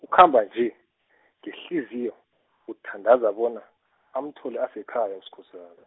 ukhamba nje , ngehliziyo, uthandaza bona, amthole asekhaya Uskhosana.